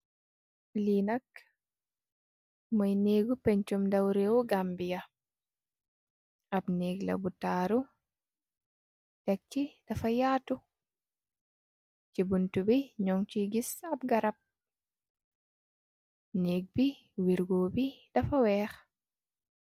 Li nak moy pencuum ndaw rewu Gambia ap nèk bu taaru tek ci dafa yatu, ci buttu bi ñiñ ci gis ap garap. Nèk bi wirgo bi dafa wèèx.